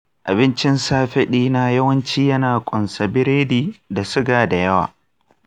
abincin safe ɗina yawanci ya na ƙunsa biredi da suga da yawa.